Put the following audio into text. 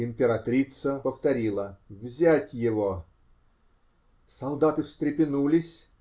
Императрица повторила: -- Взять его!. Солдаты встрепенулись.